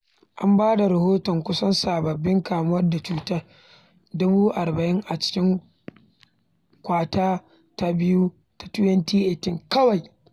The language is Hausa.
An ba da rahoton kusan sababbin kamuwar da cutar 40,000 a cikin kwata ta biyu ta 2018 kawai.